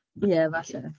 Ie, falle.